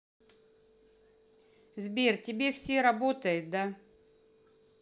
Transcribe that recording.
сбер тебе все работает да